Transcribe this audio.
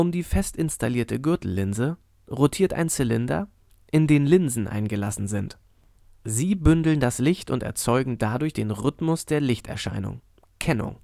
die fest installierte Gürtellinse rotiert ein Zylinder, in den Linsen eingelassen sind. Sie bündeln das Licht und erzeugen dadurch den Rhythmus der Lichterscheinung (Kennung